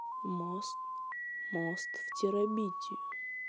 мост в терабитию